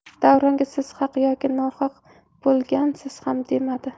davronga siz haq yoki nohaq bo'lgansiz ham demadi